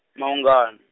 Maungani.